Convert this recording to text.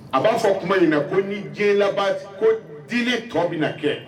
A b'a fɔ tuma in na ko ni j laban ko di tɔ bɛ na kɛ